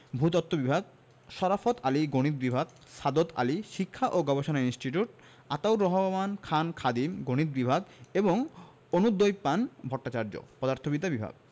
ভূ তত্ত্ব বিভাগ শরাফৎ আলী গণিত বিভাগ সাদত আলী শিক্ষা ও গবেষণা ইনস্টিটিউট আতাউর রহমান খান খাদিম গণিত বিভাগ এবং অনুদ্বৈপায়ন ভট্টাচার্য পদার্থবিদ্যা বিভাগ